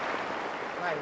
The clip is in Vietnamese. này